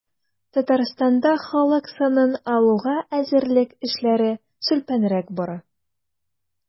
Татарстанда халык санын алуга әзерлек эшләре сүлпәнрәк бара.